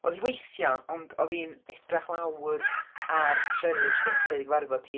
o'dd hi weithia, ond o'dd hi'n edrych lawr ar Cheryl tro cynta iddi gyfarfod hi.